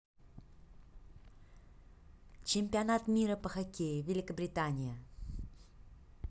чемпионат мира по хоккею великобритания